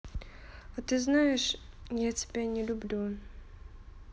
а ты знаешь я тебя не люблю